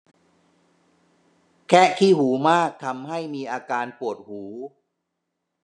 แคะขี้หูมากทำให้มีอาการปวดหู